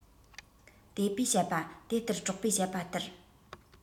དེ ཕོས བཤད པ དེ ལྟར གྲོགས པོས བཤད པ ལྟར